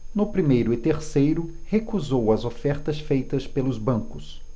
no primeiro e terceiro recusou as ofertas feitas pelos bancos